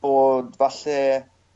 bod falle